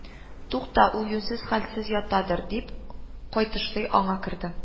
Тукта, ул юньсез хәлсез ятадыр, дип, кайтышлый аңа керде